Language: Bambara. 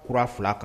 K kura fila kan